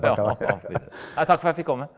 ja nei takk for at jeg fikk komme.